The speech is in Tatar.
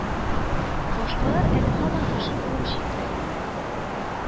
Башкалар әле һаман кеше булып җитмәгәннәр